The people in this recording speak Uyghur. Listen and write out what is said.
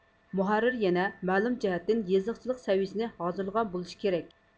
مۇھەررىر يەنە مەلۇم جەھەتتىن يېزىقچىلىق سەۋىيىسىنى ھازىرلىغان بولۇشى كېرەك